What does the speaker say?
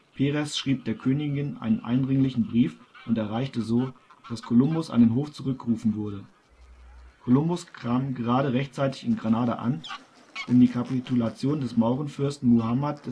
Perez schrieb der Königin einen eindringlichen Brief und erreichte so, dass Kolumbus an den Hof zurückgerufen wurde. Kolumbus kam gerade rechtzeitig in Granada an, um die Kapitulation des Maurenfürsten Muhammad